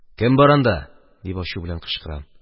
– кем бар анда? – дип, ачу белән кычкырам.